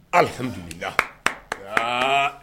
Ali dugu la